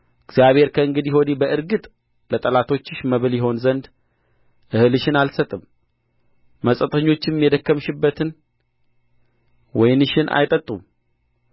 እግዚአብሔር ከእንግዲህ ወዲህ በእርግጥ ለጠላቶችሽ መብል ይሆን ዘንድ እህልሽን አልሰጥም መጻተኞችም የደከምሽበትን ወይንሽን አይጠጡም